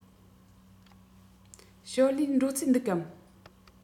ཞའོ ལིའི འགྲོ རྩིས འདུག གམ